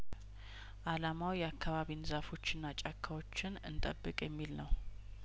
አላማው የአካባቢን ዛፎችና ጫካዎችን እንጠብቅ የሚል ነው